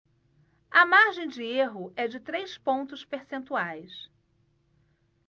a margem de erro é de três pontos percentuais